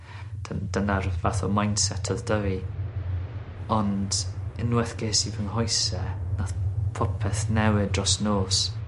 Dyn- dyna'r fath o mindset odd 'da fi. Ond unweth ges i fy nghoese nath popeth newid dros nos.